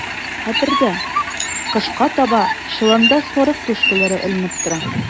Хәтердә, кышка таба чоланда сарык түшкәләре эленеп тора.